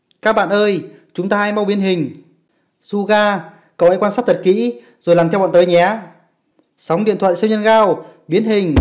các bạn ơi mau biến hình suga hãy làm theo bọn tớ sóng điện thoại siêu nhân gao biến hình